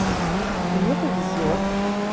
мне повезет